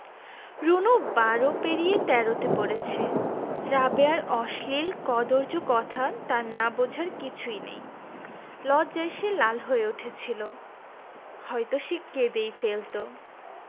রুনু বারো পেরিয়ে তেরোতে পড়েছে রাবেয়ার অশ্লীল কদৰ্য কথা তার না বোঝার কিছুই নেই লজ্জায় সে লাল হয়ে উঠেছিলো হয়তো সে কেঁদেই ফেলতো